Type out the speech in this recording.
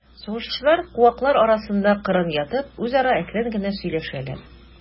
Сугышчылар, куаклар арасында кырын ятып, үзара әкрен генә сөйләшәләр.